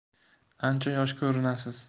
ancha yosh ko'rinasiz